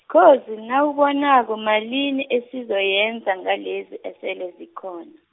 sikhozi nawubonako malini esizoyenza ngalezi esele zikhona.